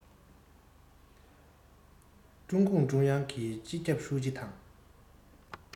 ཀྲུང གུང ཀྲུང དབྱང གི སྤྱི ཁྱབ ཧྲུའུ ཅི དང